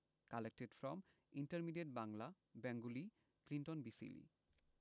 collected from intermediate Bangla Bengali Clinton B Seely